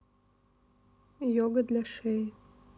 йога для шеи